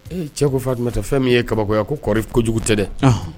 Cɛ ko fa tun bɛtɔ fɛn min' ye kabako a ko kɔri kojugu tɛ dɛ